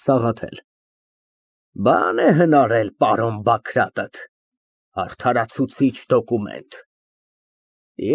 ՍԱՂԱԹԵԼ ֊ Բան է հնարել պարոն Բագրատը. ֊ արդարացուցիչ դոկումենտ։